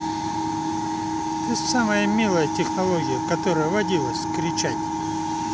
ты самая милая технология которая водилась кричать